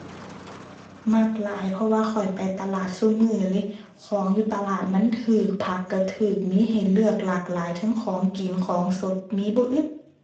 มักหลาย เพราะว่าข้อยไปตลาดซุมื้อเลย ของอยู่ตลาดมันถูก ผักถูกถูก มีให้เลือกหลายหลาย เทิงของกิน ของสด มีบ่อึด